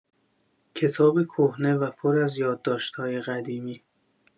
کتاب کهنه و پر از یادداشت‌های قدیمی